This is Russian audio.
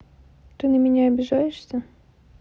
ты на меня обижаешься